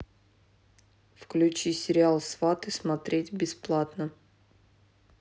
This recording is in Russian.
включи сериал сваты смотреть бесплатно